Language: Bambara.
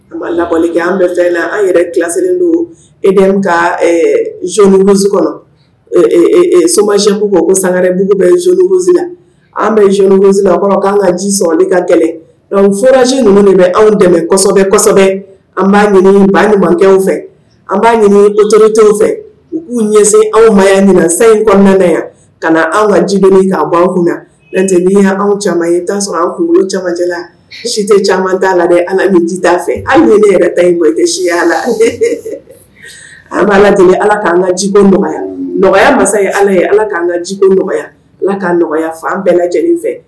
Lakɔlikɛ an bɛɛ la an yɛrɛ kilasi don e bɛ kaurusi kɔnɔ somayɛnbugu ko sangaɛrɛbugu bɛ zoni la an bɛ z kɔnɔ k'an ka ji sɔnli ka kɛlɛ furasi numu de bɛ anw dɛmɛ kosɛbɛ an b'a ɲini ba numukɛkɛw fɛ an b'a ɲini otɔ tɛ fɛ u k'u ɲɛsin anw maya min na sa in kɔnɔna yan ka na anw ka jib ka bɔ kun natɛ'' anw caman i t'a sɔrɔ an kunkolo camanjɛla si tɛ caman t'a la ala min ci t'a fɛ an ye ne yɛrɛ ta siya la an bɛ ala deli ala k'an ka jibe nɔgɔya nɔgɔya masa ye ala ye ala k'an ka jibe nɔgɔya ala k ka nɔgɔya fan an bɛɛ lajɛlen fɛ